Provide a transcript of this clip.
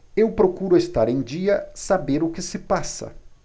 eu procuro estar em dia saber o que se passa